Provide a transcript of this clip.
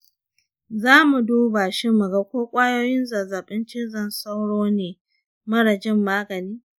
zamu duba shi mu ga ko ƙwayoyin zazzaɓin cizon sauro ne mara jin magani.